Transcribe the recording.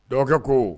Dɔgɔkɛ ko